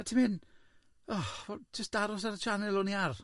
... a ti'n mynd, oh, wel, jyst aros ar y sianel o'n i ar.